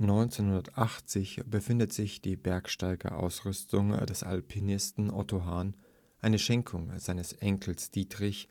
1980 befindet sich die Bergsteiger-Ausrüstung des Alpinisten Otto Hahn, eine Schenkung seines Enkels Dietrich,